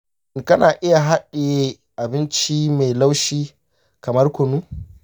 “shin kana iya haɗiye abinci mai laushi kamar kunu?